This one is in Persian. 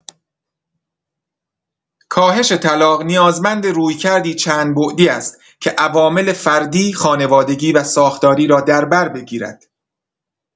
کاهش طلاق نیازمند رویکردی چندبعدی است که عوامل فردی، خانوادگی و ساختاری را در بر بگیرد.